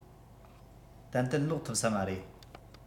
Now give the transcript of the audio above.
ཏན ཏན ལོག ཐུབ ས མ རེད